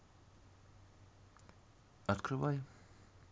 открывай